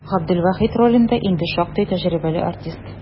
Габделвахит ролендә инде шактый тәҗрибәле артист.